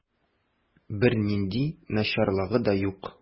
Бернинди начарлыгы да юк.